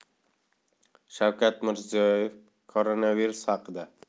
shavkat mirziyoyev koronavirus haqida